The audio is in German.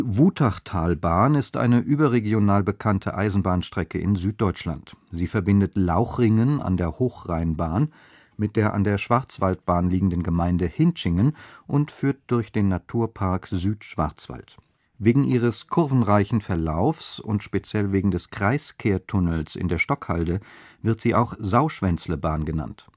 Wutachtalbahn ist eine überregional bekannte Eisenbahnstrecke in Süddeutschland. Sie verbindet Lauchringen an der Hochrheinbahn mit der an der Schwarzwaldbahn liegenden Gemeinde Hintschingen und führt durch den Naturpark Südschwarzwald. Wegen ihres kurvenreichen Verlaufes und speziell wegen des Kreiskehrtunnels in der Stockhalde wird sie auch Sauschwänzlebahn genannt